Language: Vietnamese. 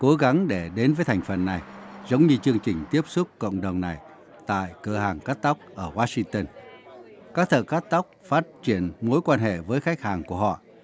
cố gắng để đến với thành phần này giống như chương trình tiếp xúc cộng đồng này tại cửa hàng cắt tóc ở goa sinh tơn có thợ cắt tóc phát triển mối quan hệ với khách hàng của họ